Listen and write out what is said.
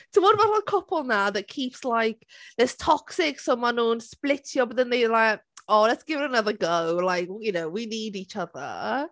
Ti'n gwbod fel y cwpl 'na, that keeps like... It's toxic, so ma' nhw'n splitio, but then they're like, "Oh let's give it another go like you know, we need each other."